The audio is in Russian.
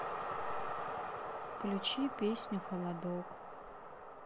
включи песню холодок